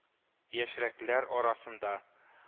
Яшьрәкләр арасында